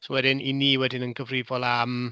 So wedyn 'y ni wedyn yn gyfrifol am...